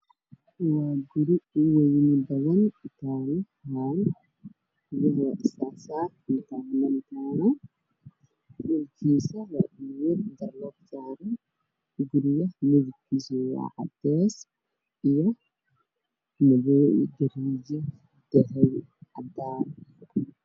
Waxaa ii muuqda guri cusub oo hadda la dhisay guriga midabkiisu wuxuu ka kooban yahay damas caddaan jaalle hoosna waa bulketti l waxaana ag yahallo haan bir ah